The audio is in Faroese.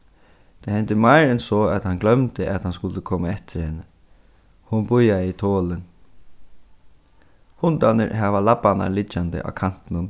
tað hendi meir enn so at hann gloymdi at hann skuldi koma eftir henni hon bíðaði tolin hundarnir hava labbarnar liggjandi á kantinum